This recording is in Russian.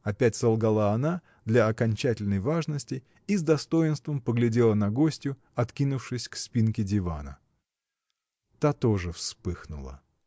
— опять солгала она для окончательной важности и с достоинством поглядела на гостью, откинувшись к спинке дивана. Та тоже вспыхнула.